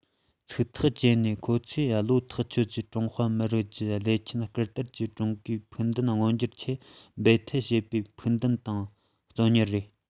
ཚིག ཐག བཅད ནས ཁོ ཚོར བློ ཐག ཆོད ཀྱིས ཀྲུང ཧྭ མི རིགས ཀྱི རླབས ཆེན བསྐྱར དར གྱི ཀྲུང གོའི ཕུགས འདུན མངོན འགྱུར ཆེད འབད འཐབ བྱེད པའི ཕུགས འདུན དང བརྩོན གཉེར རེད